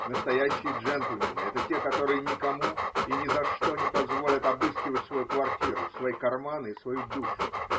Настоящие джентльмены – это те, которые никому и ни за что не позволят обыскивать свою квартиру, свои карманы и свою душу.